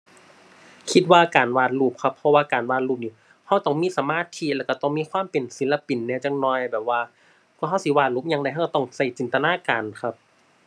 คิดว่าการวาดรูปครับ เพราะว่าการวาดรูปนี่ เราต้องมีสมาธิแล้วเราต้องมีความเป็นศิลปินแหน่จักหน่อย แบบว่ากว่าเราสิวาดรูปอิหยังได้เราเราต้องเราจินตนาการครับ